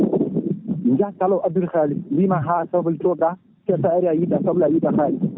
jaaha caalo addude haalis mbima ha soble cooda te sa ari a yiita soble a yiita kalis